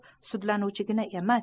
sudlanuvchigina emas